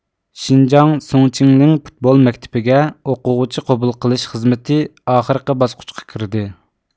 شىنجاڭ سۇڭ چىڭلىڭ پۇتبول مەكتىپىگە ئوقۇغۇچى قوبۇل قىلىش خىزمىتى ئاخىرقى باسقۇچقا كىردى